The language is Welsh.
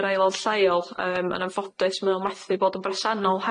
yr aelodd lleol yym yn anffodus ma' o methu bod yn bresennol